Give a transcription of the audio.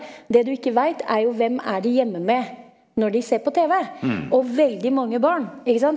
det du ikke veit er jo hvem er de hjemme med når de ser på tv, og veldig mange barn ikke sant.